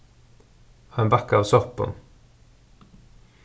ein bakka av soppum